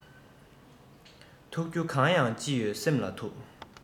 ཐུག རྒྱུ གང ཡོད ཅི ཡོད སེམས ལ ཐུག